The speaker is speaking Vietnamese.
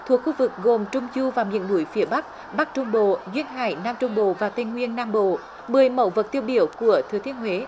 thuộc khu vực gồm trung du và miền núi phía bắc bắc trung bộ duyên hải nam trung bộ và tây nguyên nam bộ bơi mẫu vật tiêu biểu của thừa thiên huế